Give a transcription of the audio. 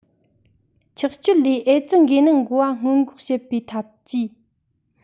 ཆགས སྤྱོད ལས ཨེ ཙི འགོས ནད འགོ བ སྔོན འགོག བྱེད པའི ཐབས ཇུས